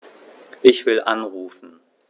Ich will anrufen.